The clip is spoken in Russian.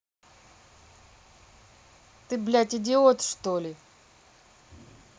ты блядь идиот что ли